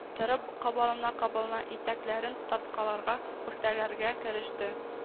Торып кабалана-кабалана итәкләрен тарткаларга-пөхтәләргә кереште